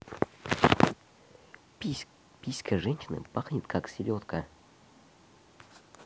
писька женщина пахнет как селедка